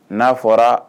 Naa fɔra